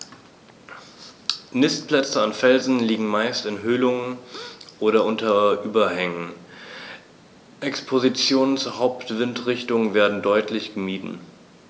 Nistplätze an Felsen liegen meist in Höhlungen oder unter Überhängen, Expositionen zur Hauptwindrichtung werden deutlich gemieden.